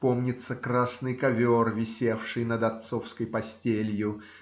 Помнится красный ковер, висевший над отцовской постелью